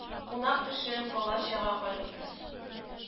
Кунак-төшем, бала-чага кайгысы…